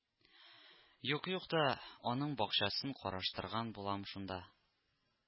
К-юк та аның бакчасын караштырган булам шунда